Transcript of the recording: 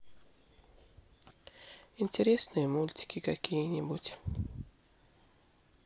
интересные мультики какие нибудь